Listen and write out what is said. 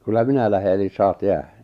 kyllä minä lähden eli saat jäädä